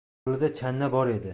qo'lida chana bor edi